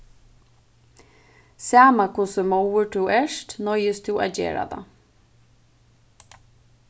sama hvussu móður tú ert noyðist tú at gera tað